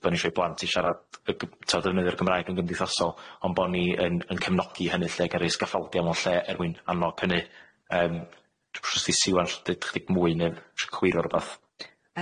Bo ni isho i blant i sharad yy gy- t'od defnyddio'r Gymraeg yn gymdeithasol ond bo ni yn yn cefnogi hynny lle gai rei sgaffaldia mewn lle er mwyn annog hynny yym 'mn shŵr os 'di Siwan sho deud chydig mwy ne' sho cwiro rwbath?